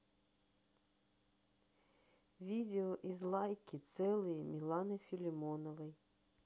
видео из лайки целые миланы филимоновой